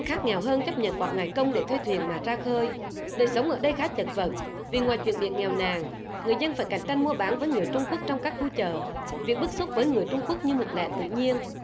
khác nghèo hơn chấp nhận bỏ ngày công để thuê thuyền mà ra khơi đời sống ở đây khá chật vật vì ngoài chuyện biển nghèo nàn người dân phải cạnh tranh mua bán với người trung quốc trong các khu chợ việc bức xúc với người trung quốc như một lẽ tự nhiên